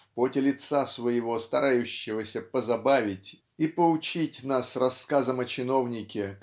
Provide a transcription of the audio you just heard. в поте лица своего старающегося позабавить и поучить нас рассказом о чиновнике